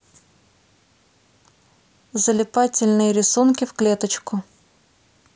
залипательные рисунки в клеточку